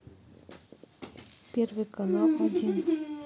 первый канал один